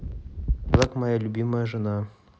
казак моя любимая жена